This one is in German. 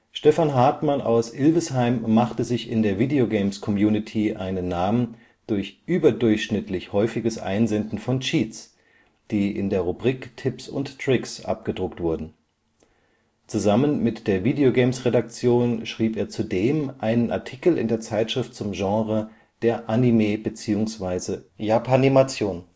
Stefan Hartmann aus Ilvesheim machte sich in der VG-Community einen Namen durch überdurchschnittlich häufiges Einsenden von Cheats, die in der VG-Rubrik „ Tipps & Tricks “abgedruckt wurden. Zusammen mit der Video-Games-Redaktion schrieb er zudem einen Artikel in der Zeitschrift zum Genre der Anime / Japanimation